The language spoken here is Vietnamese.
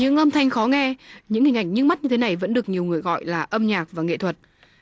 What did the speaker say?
những âm thanh khó nghe những hình ảnh nhức mắt như thế này vẫn được nhiều người gọi là âm nhạc và nghệ thuật